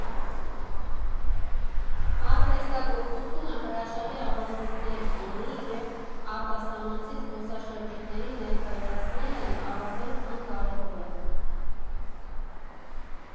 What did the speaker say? Արհեստագործությունը հրաշալի ավանդույթներ ունի և արտասահմանցի զբոսաշրջիկներին ներկայացնելն առավել քան կարևոր է։